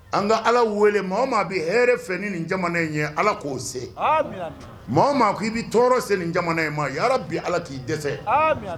An ka ala wele mɔgɔ maa bɛ hɛrɛ fɛ ni ni jamana in ye ala k'o se i bɛ tɔɔrɔ se nin jamana in ma ala bi ala k'i dɛsɛ